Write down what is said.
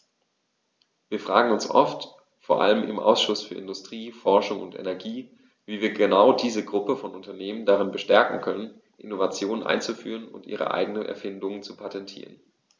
Wir fragen uns oft, vor allem im Ausschuss für Industrie, Forschung und Energie, wie wir genau diese Gruppe von Unternehmen darin bestärken können, Innovationen einzuführen und ihre eigenen Erfindungen zu patentieren.